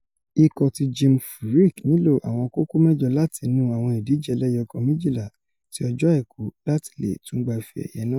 Ikọ̀ ti Jim Furyk nílò àwọn kókó mẹ́jọ láti inú àwọn ìdíje ẹlẹ́ẹyọkan méjìla ti ọjọ́ Àìkú láti leè tún gba ife-ẹ̀yẹ náà.